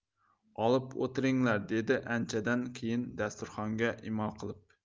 olib o'tiringlar dedi anchadan keyin dasturxonga imo qilib